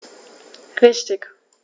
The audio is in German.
Richtig